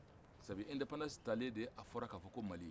sabu independance taalen de a fɔra ka fɔ ko mali